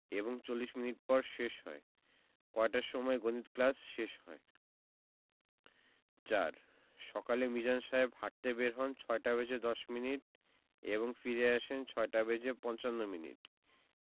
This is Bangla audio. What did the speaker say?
এবং ৪০ মিনিট পর শেষ হয় কয়টার সময় গণিত ক্লাস শেষ হয় ৪ সকালে মিজান সাহেব হাঁটতে বের হন ৬টা বেজে ১০ মিনিট এবং ফিরে আসেন ৬টা বেজে পঞ্চান্ন মিনিট